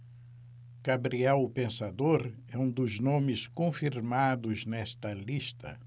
gabriel o pensador é um dos nomes confirmados nesta lista